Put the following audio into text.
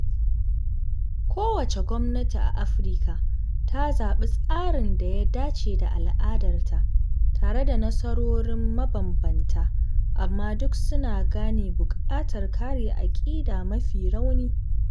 Kowace gwamnati a Afirka ta zaɓi tsarin da ya dace da al'adarta, tare da nasarorin mabambanta, amma duk suna gane buƙatar kare aƙida mafi rauni.